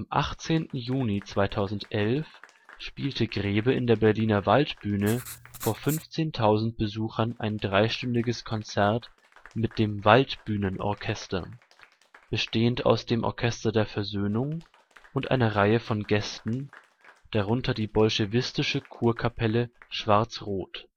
18. Juni 2011 spielte Grebe in der Berliner Waldbühne vor 15.000 Besuchern ein dreistündiges Konzert mit dem „ Waldbühnenorchester “, bestehend aus dem Orchester der Versöhnung und einer Reihe von Gästen, darunter die Bolschewistische Kurkapelle schwarz-rot